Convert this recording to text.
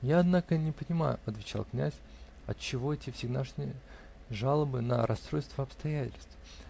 -- Я, однако, не понимаю, -- отвечал князь, -- отчего эти всегдашние жалобы на расстройство обстоятельств?